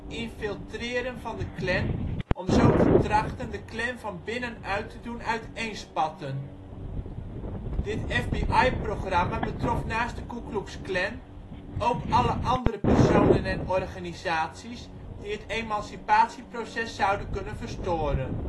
infiltreren van de Klan om zo te trachten de Klan van binnenuit te doen uiteenspatten. Dit FBI-programma betrof naast de Ku Klux Klan ook alle andere personen en organisaties die het emancipatieproces zouden kunnen verstoren